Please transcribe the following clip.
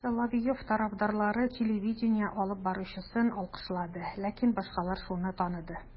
Соловьев тарафдарлары телевидение алып баручысын алкышлады, ләкин башкалар шуны таныды: